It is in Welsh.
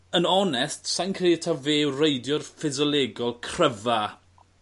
yn onest sai'n credu taw fe yw'r reidiwr ffisolegol cryfa